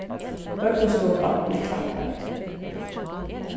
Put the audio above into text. vøggustovubarnið klappaði